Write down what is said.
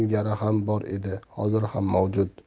ilgari ham bor edi hozir ham mavjud